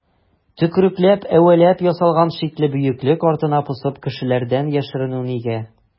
Төкерекләп-әвәләп ясалган шикле бөеклек артына посып кешеләрдән яшеренү нигә?